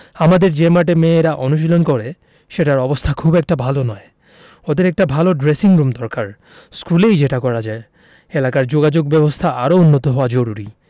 আমাদের যে মাঠে মেয়েরা অনুশীলন করে সেটির অবস্থা খুব একটা ভালো নয় ওদের একটা ভালো ড্রেসিংরুম দরকার স্কুলেই যেটা করা যায় এলাকার যোগাযোগব্যবস্থা আরও উন্নত হওয়া জরুরি